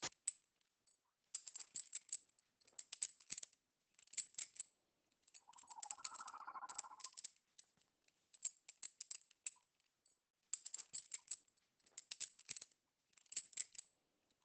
Waxaa ii muuqday niman meel fadhiyaan nin wata fitishaeri iyo niman ka dambeeyaan shacabka dhaawato